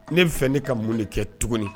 Ne fɛ ne ka mun de kɛ tuguni